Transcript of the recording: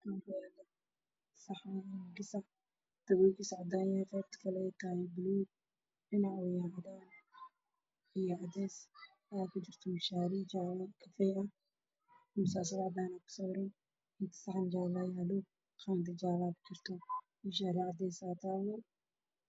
Waxaa ii muuqda koob waxaana ku jiray qaxo waxa ag yaalla bac oo ay ku jirto caleen